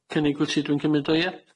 cynnig wyt ti dwi'n cymyd o ia?